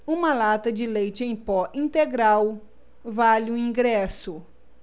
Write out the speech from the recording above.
uma lata de leite em pó integral vale um ingresso